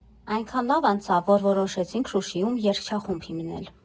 Այնքան լավ անցավ, որ որոշեցինք Շուշիում երգչախումբ հիմնել։